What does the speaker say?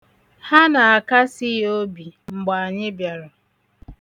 Ha na-akasi ya obi mgbe anyị bịara.